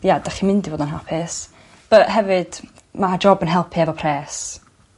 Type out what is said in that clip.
ia 'dach chi'n mynd i fod yn hapus bu' hefyd ma' job yn helpu efo pres.